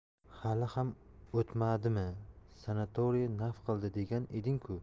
hali ham o'tmadimi sanatoriy naf qildi degan eding ku